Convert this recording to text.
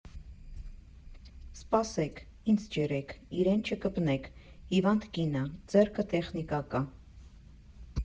Սպասեք, ինձ ջրեք, իրեն չկպնեք, հիվանդ կին ա, ձեռքը տեխնիկա կա։